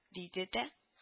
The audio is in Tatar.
— диде дә